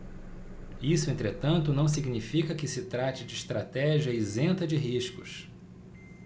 isso entretanto não significa que se trate de estratégia isenta de riscos